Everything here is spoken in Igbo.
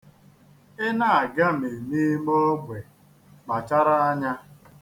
Ị na-agami n'ime ogbe kpachara anya.